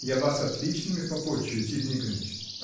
Я вас отличными попотчую, Тит Никоныч.